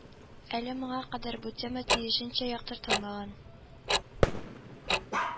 Әле моңа кадәр бу тема тиешенчә яктыртылмаган